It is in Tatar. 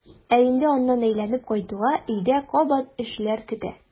Ә инде аннан әйләнеп кайтуга өйдә кабат эшләр көтә.